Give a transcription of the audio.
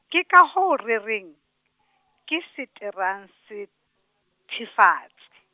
ke ka hoo re reng , ke seteransethifa- .